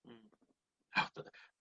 Hmm.